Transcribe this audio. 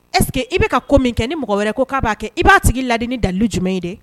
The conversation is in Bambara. E ɛsseke i bɛ ka ko min kɛ ni mɔgɔ wɛrɛ ko k'a'a kɛ i b'a sigi ladiini dalu jumɛn ye de